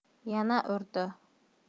yana urdi